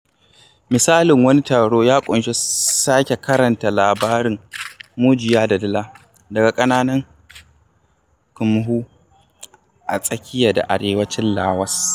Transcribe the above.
Misalin wani taron ya ƙunshi sake karanta labarin "Mujiya da Dila" daga mutanen Kmhmu a tsakiya da arewacin Laos.